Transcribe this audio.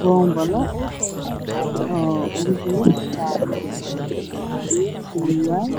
Boombale oo ugu jiro shar iyo surwal